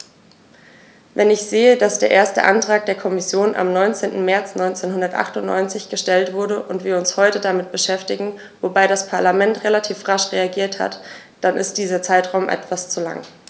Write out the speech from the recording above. Wenn ich sehe, dass der erste Antrag der Kommission am 19. März 1998 gestellt wurde und wir uns heute damit beschäftigen - wobei das Parlament relativ rasch reagiert hat -, dann ist dieser Zeitraum etwas zu lang.